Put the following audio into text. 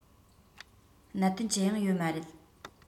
གནད དོན ཅི ཡང ཡོད མ རེད